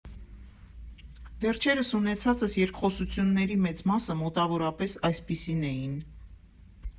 Վերջերս ունեցածս երկխոսությունների մեծ մասը մոտավորապես այսպիսին էին.